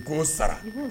G sara